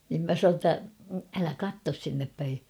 niin minä sanoin että älä katso sinne päin